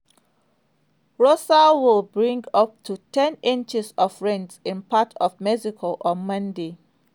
Rosa will bring up to 10 inches of rain in parts of Mexico on Monday.